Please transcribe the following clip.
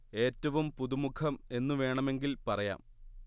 എറ്റവും പുതുമുഖം എന്നു വേണമെങ്കിൽ പറയാം